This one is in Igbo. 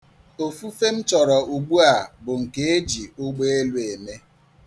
Ofufe m chọrọ ugbua bụ nke e ji ụgbọelu eme.